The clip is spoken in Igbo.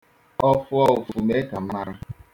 Ọ fụọ ụfụ, mee ka m mara.